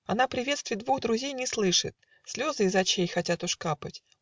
Она приветствий двух друзей Не слышит, слезы из очей Хотят уж капать